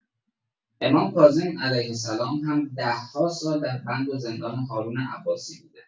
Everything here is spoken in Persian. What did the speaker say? امام کاظم (ع) هم ده‌ها سال دربند و زندان هارون عباسی بوده